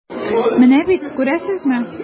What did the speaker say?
Менә бит, күрәсезме.